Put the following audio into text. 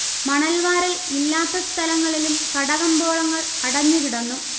മണല്വാരൽ ഇല്ലാത്ത സ്ഥലങ്ങളിലും കടകമ്പോളങ്ങൾ അടഞ്ഞുകിടന്നു